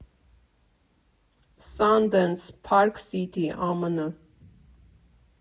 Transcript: Սանդենս, Փարք Սիթի, ԱՄՆ։